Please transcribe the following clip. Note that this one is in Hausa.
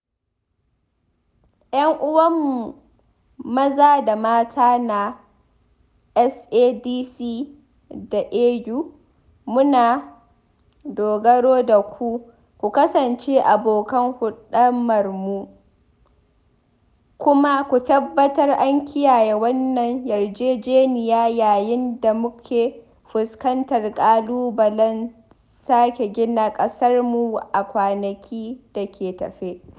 Ƴan’uwa mu maza da mata na SADC da AU, muna dogaro da ku ku kasance abokan hulɗarmu, kuma ku tabbatar an kiyaye wannan yarjejeniya yayin da muke fuskantar ƙalubalen sake gina ƙasarmu a kwanakin da ke tafe.